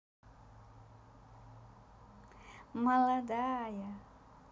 молодая